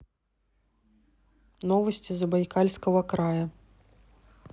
новости забайкальского края